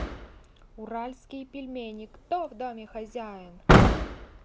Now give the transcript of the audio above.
уральские пельмени кто в доме хозяин